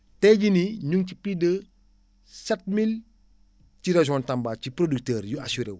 tey jii ñu ngi ci plus de sept mille ci région Tamba ci producteurs yu assurés wu